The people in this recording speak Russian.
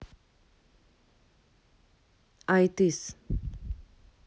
айтыс